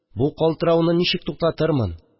Бу калтырауны ничек туктатырмын